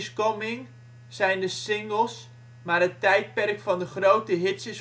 Coming zijn de singles maar het tijdperk van de grote hits